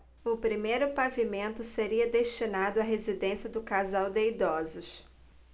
o primeiro pavimento seria destinado à residência do casal de idosos